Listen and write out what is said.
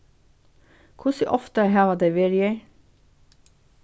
hvussu ofta hava tey verið her